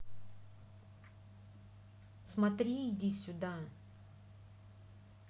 смотри иди сюда